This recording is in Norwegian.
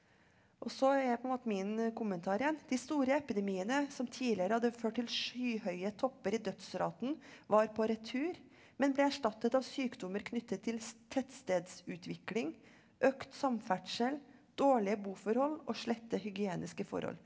og så er på en måte min kommentar igjen de store epidemiene som tidligere hadde ført til skyhøye topper i dødsraten var på retur, men ble erstattet av sykdommer knyttet til tettstedsutvikling, økt samferdsel, dårlige boforhold og slette hygienisk forhold.